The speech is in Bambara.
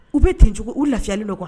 U bɛ tcogo u lali bɛ kuwa